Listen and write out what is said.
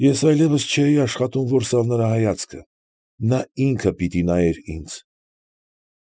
Ես այլևս չէի աշխատում որսալ նրա հայացքը, նա ինքը պիտի նայեր ինձ։